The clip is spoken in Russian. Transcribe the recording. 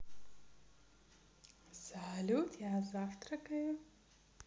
салют я завтракаю